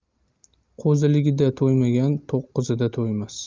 qo'ziligida to'ymagan to'qqizida to'ymas